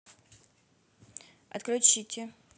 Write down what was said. отключите